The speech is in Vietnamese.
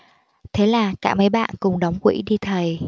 thế là cả mấy bạn cùng đóng quỹ đi thầy